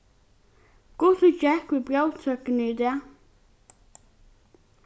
hvussu gekk við próvtøkuni í dag